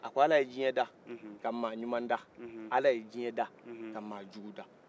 a ko ala ye jiɲɛ da ka ma ɲuman da ala jiɲɛ da ka ma jugu da